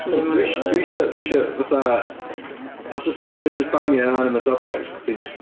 Dwi isio dwi isio dwi isio fatha... Os fyswn i jyst isio bangio inanimate object 'sech chdi just...